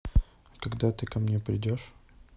а когда ты ко мне придешь